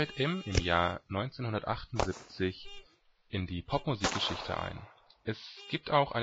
CVJM im Jahr 1978 in die Popmusik-Geschichte ein. Es gibt auch